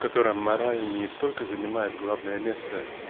в котором мораль не только занимает главное место